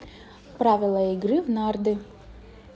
правила игры в нарды